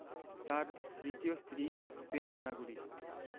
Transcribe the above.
তাঁর দ্বিতীয় স্ত্রী স্পেনের নাগরিক